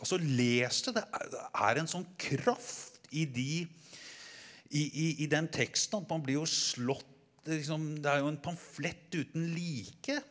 altså les det, det er en sånn kraft i de i i i den teksten at man blir jo slått liksom det er jo en pamflett uten like.